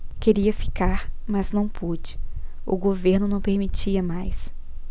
queria ficar mas não pude o governo não permitia mais